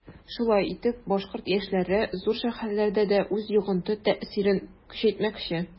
Шулай итеп башкорт яшьләре зур шәһәрләрдә дә үз йогынты-тәэсирен көчәйтмәкче.